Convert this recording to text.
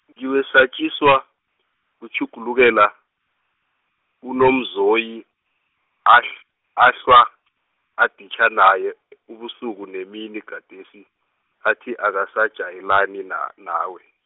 ngiwesatjiswa, kutjhugulukela, uNomzoyi, ahl- ahlwa aditjha nawe ubusuku nemini gadesi, athi akasajayelani na- nawe.